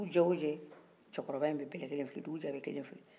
dugu jɛ wo jɛ cɛkɔrɔba in bɛ bɛlɛ kelen fili dugu jɛ wo jɛ a bɛ kelen fili